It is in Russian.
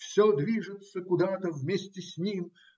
Все движется куда-то вместе с ним